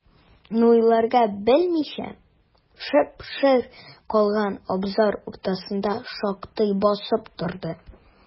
Ни уйларга белмичә, шып-шыр калган абзар уртасында шактый басып торды.